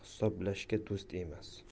emas hisoblashgan do'st emas